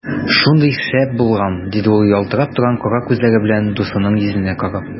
Шундый шәп булган! - диде ул ялтырап торган кара күзләре белән дусының йөзенә карап.